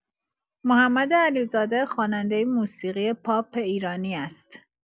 محمد علیزاده خواننده موسیقی پاپ ایرانی است.